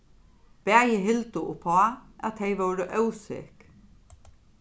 bæði hildu uppá at tey vóru ósek